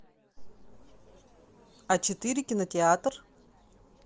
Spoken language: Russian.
а четыре кинотеатр